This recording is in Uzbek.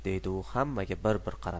deydi u hammaga bir bir qarab